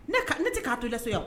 Ne ka ne te kaa to i la so yan o